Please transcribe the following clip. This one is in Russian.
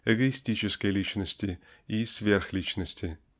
эгоистической личности и сверхличности.